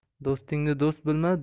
do'stingni do'st bilma